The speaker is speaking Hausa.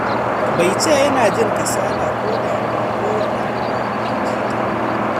" "Bai ce yana jin kasala ko damuwa ko wani abu ba," in ji ta.